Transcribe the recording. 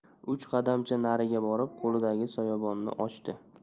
uch qadamcha nariga borib qo'lidagi soyabonini ochdi